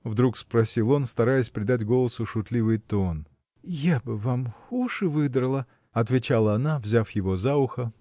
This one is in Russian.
– вдруг спросил он, стараясь придать голосу шутливый тон. – Я бы вам уши выдрала! – отвечала она взяв его за ухо